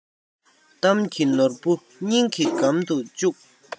གཏམ གྱི ནོར བུ སྙིང གི སྒམ དུ བཅུག